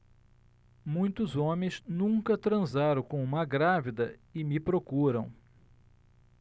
muitos homens nunca transaram com uma grávida e me procuram